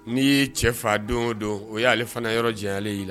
N'i y'i cɛ fa don don o y'ale fana yɔrɔ janale ye la